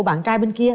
bạn trai bên kia